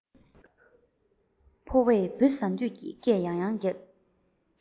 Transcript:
ཕོ བས འབུ ཟ འདོད ཀྱི སྐད ཡང ཡང རྒྱག